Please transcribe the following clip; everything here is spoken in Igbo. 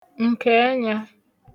ǹkə̀ẹnyā